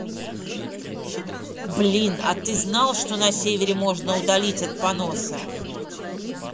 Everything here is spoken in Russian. блин а ты знал что на севере можно удалить от поноса